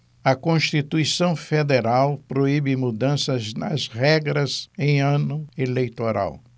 a constituição federal proíbe mudanças nas regras em ano eleitoral